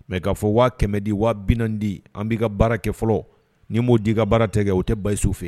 Mɛ' fɔ waa kɛmɛmɛ di waa4 di an b'i ka baara kɛ fɔlɔ ni m'o di' i ka baara tigɛ kɛ o tɛ basi su fɛ